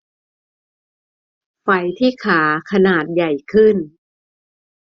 ไฝที่ขาขนาดใหญ่ขึ้น